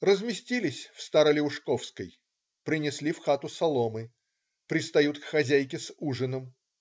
" Разместились в Старо-Леушковской. Принесли в хату соломы. Пристают к хозяйке с ужином.